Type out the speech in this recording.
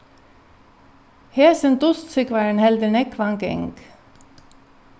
hesin dustsúgvarin heldur nógvan gang